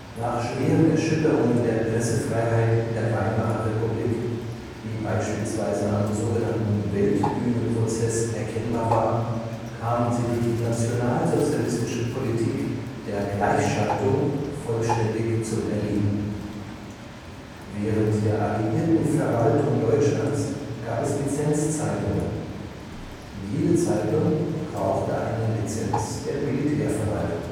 Nach schweren Erschütterungen der Pressefreiheit in der Weimarer Republik, wie beispielsweise am „ Weltbühne-Prozess “erkennbar war, kam sie durch die nationalsozialistische Politik der Gleichschaltung vollständig zum Erliegen. → Hauptartikel: Presse im Nationalsozialismus Während der Alliierten Verwaltung Deutschlands gab es Lizenzzeitungen. Jede Zeitung brauchte eine (Lizenz) der Militärverwaltung